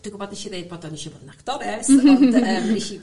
dwi' gwbod nesh i ddeud bod yn isia bod yn actores ond yym nesh i